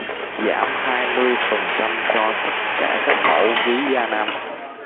giảm hai mươi phần trăm cho tất cả các mẫu ví da nam